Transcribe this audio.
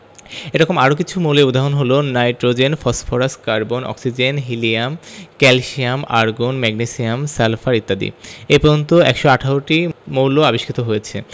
এরকম আরও কিছু মৌলের উদাহরণ হলো nitrogen phosphorus carbon oxygen helium calcium argon magnesium sulphur ইত্যাদি এ পর্যন্ত ১১৮টি মৌল আবিষ্কৃত হয়েছে